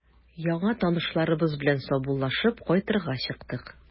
Яңа танышларыбыз белән саубуллашып, кайтырга чыктык.